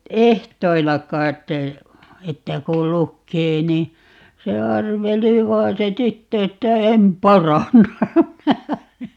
ehdoilla kai että kun lukee niin se arveli vain se tyttö että en paranna